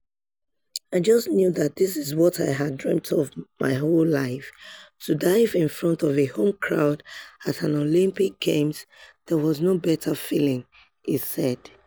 "I just knew that this is what I had dreamt of my whole life - to dive in front of a home crowd at an Olympic Games, there was no better feeling," he said.